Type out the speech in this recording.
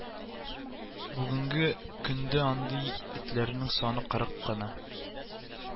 Бүгенге көндә андый этләрнең саны кырык кына